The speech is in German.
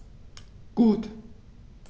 Gut.